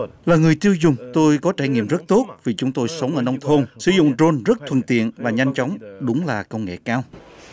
là người tiêu dùng tôi có trải nghiệm rất tốt vì chúng tôi sống ở nông thôn sử dụng rôn rất thuận tiện và nhanh chóng đúng là công nghệ cao